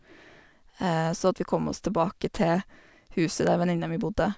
Så at vi kom oss tilbake til huset der venninna mi bodde.